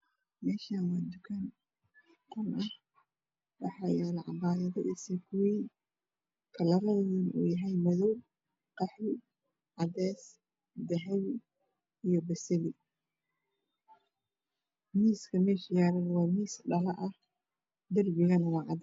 Meeshaan waa tukaan oo qol ah waxaa yaalo cabaayado iyo saakooyin kalaradoodana uu yahay madow qaxwi cadays dahabi iyo basali miiska meesha yaalana waa miis dhalo ah darbigana waa cadaan